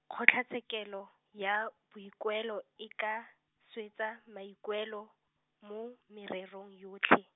Kgotlatshekelo, ya Boikuelo, e ka, swetsa maikuelo, mo, mererong yotlhe.